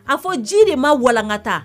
A fɔ ji de ma walankata